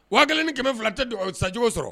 Wa kelen ni kɛmɛ fila tɛ sacogo sɔrɔ